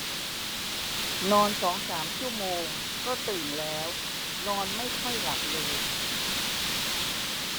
นอนสองสามชั่วโมงก็ตื่นแล้วนอนไม่ค่อยหลับเลย